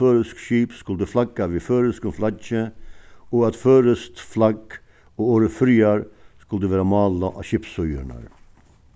føroysk skip skuldu flagga við føroyskum flaggi og at føroyskt flagg og orðið føroyar skuldi verða málað á skipssíðurnar